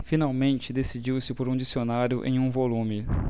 finalmente decidiu-se por um dicionário em um volume